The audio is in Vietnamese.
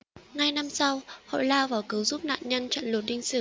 ngay năm sau hội lao vào cứu giúp nạn nhân trận lụt đinh sửu